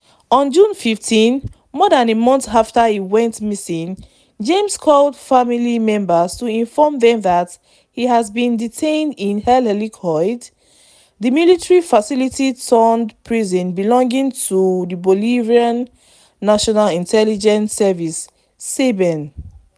On June 15, more than a month after he went missing, Jaimes called family members to inform them that he had been detained inside El Helicoide, the military facility turned prison belonging to the Bolivarian National Intelligence Service (SEBIN).